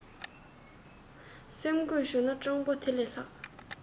སེམས གོས ཆོད ན སྤྲང པོ དེ ལས ལྷག